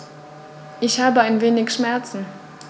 Ich habe ein wenig Schmerzen.